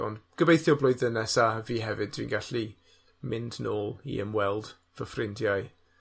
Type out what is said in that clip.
Ond gobeithio blwyddyn nesa fi hefyd dwi'n gallu mynd nôl i ymweld fy ffrindiau,